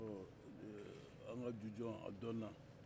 ɔ an ka jujɔn a dɔnna